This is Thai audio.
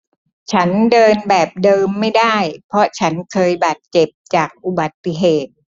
ฉันเดินแบบเดิมไม่ได้เพราะฉันเคยบาดเจ็บจากอุบัติเหตุ